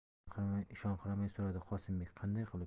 ishonqirmay so'radi qosimbek qanday qilib